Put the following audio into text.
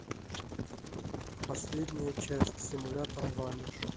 последняя часть симулятор ваниш